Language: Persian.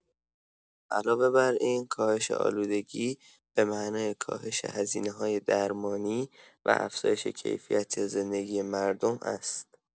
علاوه بر این، کاهش آلودگی به معنای کاهش هزینه‌های درمانی و افزایش کیفیت زندگی مردم است.